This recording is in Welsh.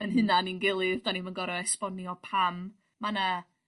'yn hunan i'n gilydd 'dan ni'm yn gor'o' esbonio pam ma' 'na